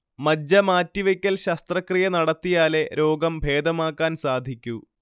മജ്ജ മാറ്റിവെക്കൽ ശസ്ത്രക്രിയ നടത്തിയാലേ രോഗംഭേദമാക്കാൻ സാധിക്കൂ